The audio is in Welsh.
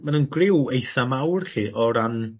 ma' nw'n griw eitha mawr 'lly o ran